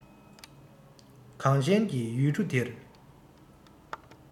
གངས ཅན གྱི ཡུལ གྲུ འདིར